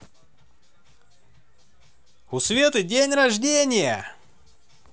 у светы день рождения